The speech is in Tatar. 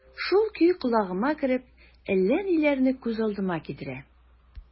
Шул көй колагыма кереп, әллә ниләрне күз алдыма китерә...